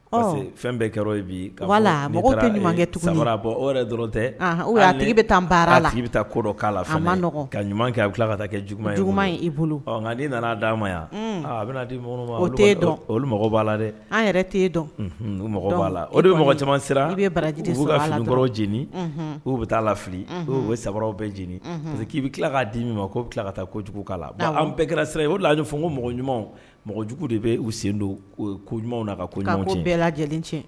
Parce fɛn bɛɛ kɛra bi kɛ bɔ dɔrɔn tɛ tigi bɛ taa baara la ko' ka ɲuman kɛ a tila ka taa kɛ jugu bolo nana d'a ma yan a di dɔn o mɔgɔ b'a la dɛ an yɛrɛ dɔn mɔgɔ b'a la o mɔgɔ barajkɔrɔ jeni u bɛ taa la fili samaw bɛɛ jeni k'i bɛ tila k'a di ɲuman ma k' ki tila ka taa ko jugu' la bɛɛ kɛra sira' la fɔ ko mɔgɔ ɲuman mɔgɔ jugu de bɛ u sen don ko ɲuman ci bɛɛ la lajɛlen cɛ